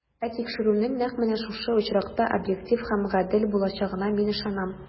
Ә тикшерүнең нәкъ менә шушы очракта объектив һәм гадел булачагына мин ышанам.